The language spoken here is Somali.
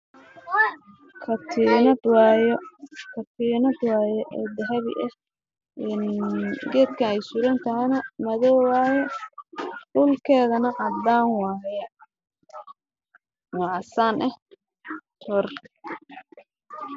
Waa katiinad dahabi ah